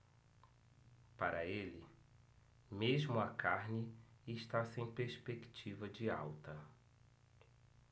para ele mesmo a carne está sem perspectiva de alta